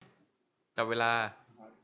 จับเวลา